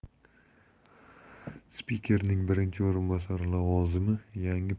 spikerning birinchi o'rinbosari lavozimi yangi parlamentning yuzini